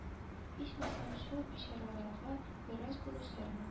Ичмасам шул бичараларга бераз булышырмын